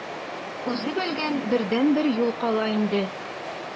Үзе белгән бердәнбер юл кала инде.